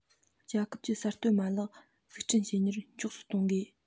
རྒྱལ ཁབ ཀྱི གསར གཏོད མ ལག འཛུགས སྐྲུན བྱེད མྱུར མགྱོགས སུ གཏོང དགོས